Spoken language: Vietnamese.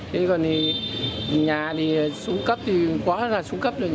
chứ còn thì nhà thì xuống cấp thì quá là xuống cấp này